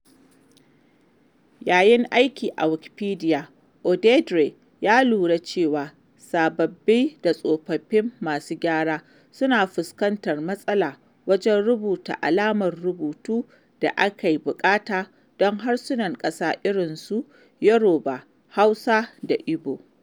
Yayin aiki a Wikipedia, Odedere ya lura cewa sababbi da tsofaffin masu gyara suna fuskantar matsala wajen rubuta alamar rubutu da ake buƙata don harsunan ƙasa irin su Yoruba, Hausa, da Igbo.